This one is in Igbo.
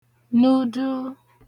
nu duu